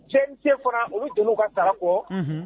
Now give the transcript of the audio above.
Cɛ fana u bɛ jeliw ka taa kɔ